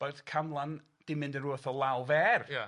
bod Camlan 'di mynd yn ryw fath o law fer... Ia...